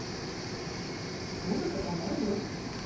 музыка про новый год